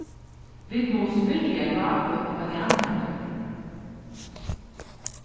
vit mugu spyrja jákup hvat ið hann heldur